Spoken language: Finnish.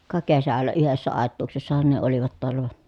ka kesällä yhdessä aituuksessahan ne olivat taalla vaan